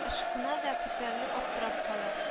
Ышкына да, күтәрелеп аптырап кала: